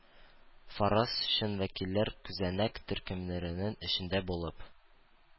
Фараз - чын вәкилләр күзәнәк төркемнәренең эчендә булып...